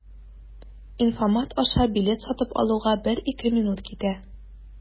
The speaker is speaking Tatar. Инфомат аша билет сатып алуга 1-2 минут китә.